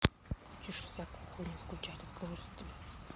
будешь всякую хуйню включать откажусь от тебя